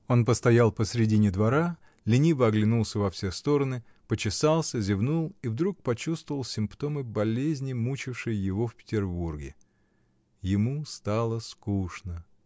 Он постоял посредине двора, лениво оглянулся во все стороны, почесался, зевнул и вдруг почувствовал симптомы болезни, мучившей его в Петербурге. Ему стало скучно.